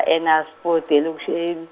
eNasipoti nekuseni.